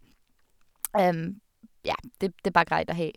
Ja, det det er bare greit å ha.